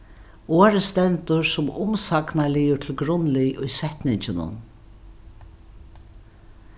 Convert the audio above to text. orðið stendur sum umsagnarliður til grundlið í setninginum